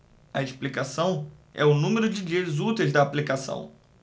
a explicação é o número de dias úteis da aplicação